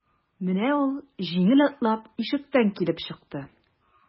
Менә ул җиңел атлап ишектән килеп чыкты.